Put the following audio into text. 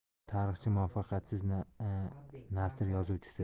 tarixchi muvaffaqiyatsiz nasr yozuvchisi